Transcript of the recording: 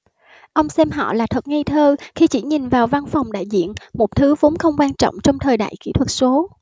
ông xem họ là thật ngây thơ khi chỉ nhìn vào văn phòng đại diện một thứ vốn không quan trọng trong thời đại kỹ thuật số